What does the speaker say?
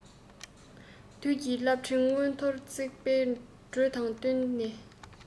དུས ཀྱི རླབས ཕྲེང མངོན མཐོར བརྩེགས པའི འགྲོས དང བསྟུན ནས